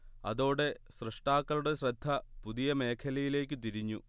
അതോടെ സ്രഷ്ടാക്കളുടെ ശ്രദ്ധ പുതിയമേഖലയിലേക്കു തിരിഞ്ഞു